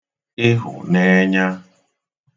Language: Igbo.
ịhụ̀nẹẹ̄nya